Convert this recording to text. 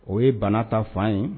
O ye bana ta fan ye.